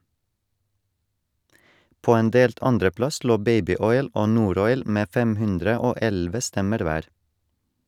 På en delt andreplass lå "Babyoil" og "Noroil" med 511 stemmer hver.